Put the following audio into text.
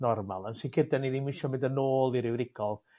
normal yn sicir 'dyn ni ddim isio mynd yn ôl i ryw rigol